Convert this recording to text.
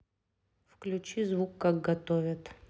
включи звук как готовят